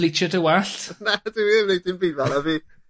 ...bleachio dy wallt? Nadw dwi 'eb neud dim byd fel 'na fi